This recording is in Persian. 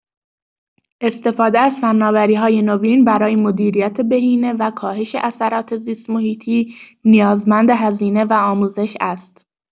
استفاده از فناوری‌های نوین برای مدیریت بهینه و کاهش اثرات زیست‌محیطی نیازمند هزینه و آموزش است.